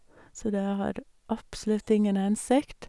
Så det har absolutt ingen hensikt.